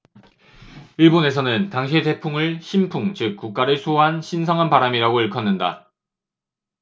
일본에서는 당시의 태풍을 신풍 즉 국가를 수호한 신성한 바람이라고 일컫는다